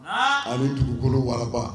A bɛ dugukolo waraga